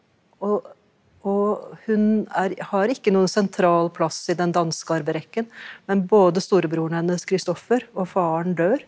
og og hun er har ikke noe sentral plass i den danske arverekken, men både storebroren hennes Christoffer og faren dør.